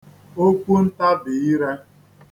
okwuntābìire